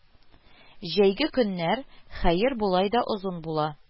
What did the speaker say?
Җәйге көннәр, хәер, болай да озын була